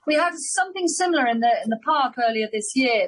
We had something similar in the in the park earlier this year.